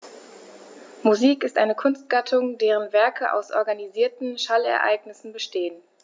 Musik ist eine Kunstgattung, deren Werke aus organisierten Schallereignissen bestehen.